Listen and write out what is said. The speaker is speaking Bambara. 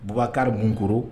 Bukari g kɔrɔ